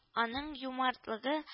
Аның юмартлыгы